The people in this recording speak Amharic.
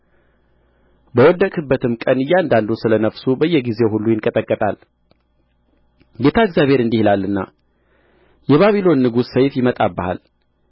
በወደቅህበትም ቀን እያንዳንዱ ስለ ነፍሱ በየጊዜው ሁሉ ይንቀጠቀጣል ጌታ እግዚአብሔር እንዲህ ይላልና የባቢሎን ንጉሥ ሰይፍ ይመጣብሃል